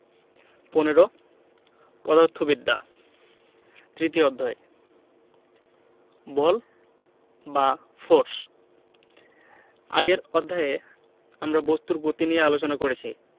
১৫ পদার্থবিদ্যা তৃতীয় অধ্যায় বল বা ফোরস আগের অধ্যায়ে আমরা বস্তুর গতি নিয়ে আলোচনা করেছি